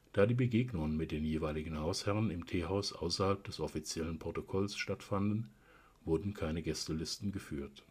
Da die Begegnungen mit den jeweiligen Hausherren im Teehaus außerhalb des offiziellen Protokolls stattfanden, wurden keine Gästelisten geführt